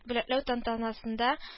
Бүләкләү тантанасында